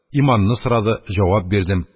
Иманны сорады, җавап бирдем.